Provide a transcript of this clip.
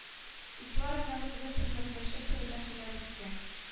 Ике арадагы тыгыз хезмәттәшлек турында сөйләп үтте.